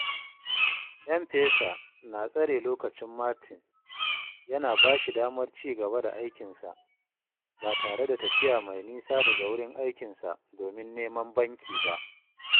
M-PESA na tsare lokacin Martin, yana ba shi damar ci gaba da aikin sa ba tare da tafiya mai nisa daga wurin aikinsa domin neman banki ba.